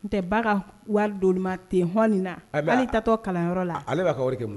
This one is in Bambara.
Tɛ ba waridonma ten hin na a b'ale tatɔ kalanyɔrɔ la ale b' ka wari kɛ